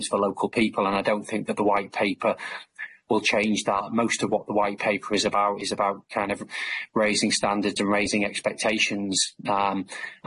homes for local people and i don't think that the white paper will change that most of what the white paper is about is about kind of raising standards and raising expectations um,